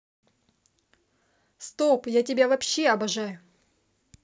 стоп я тебя вообще обожаю